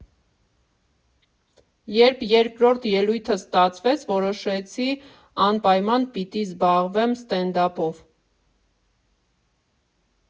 Երբ երկրորդ ելույթս ստացվեց, որոշեցի, որ անպայման պիտի զբաղվեմ ստենդափով։